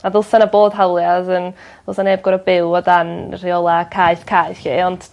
A ddylsa 'na bod hawlia' as in ddylsa neb gor'o' byw o dan rheola' caeth caeth 'lly ond